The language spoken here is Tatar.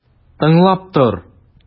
Тыңлап тор!